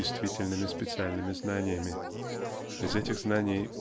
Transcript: действительными специальными знаниями. Без этих знаний